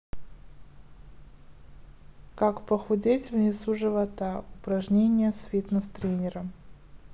как похудеть внизу живота упражнения с фитнес тренером